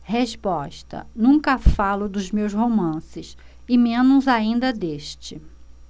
resposta nunca falo de meus romances e menos ainda deste